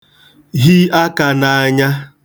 hi akā n'ānyā